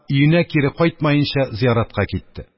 Өенә кире кайтмаенча, зияратка китте.